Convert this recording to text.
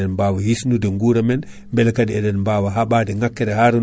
ha kulɗen ni biɗen kedi hikka kaadi en dañan caɗele ndiyam